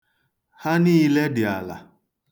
Ha niile dị ala.